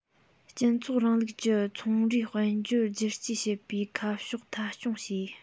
སྤྱི ཚོགས རིང ལུགས ཀྱི ཚོང རའི དཔལ འབྱོར བསྒྱུར བཅོས བྱེད པའི ཁ ཕྱོགས མཐའ འཁྱོངས བྱས